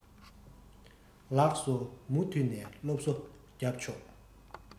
ལགས སོ ངས མུ མཐུད སློབ གསོ རྒྱབ ཆོག